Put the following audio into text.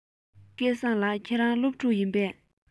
སྐལ བཟང ལགས ཁྱེད རང སློབ ཕྲུག ཡིན པས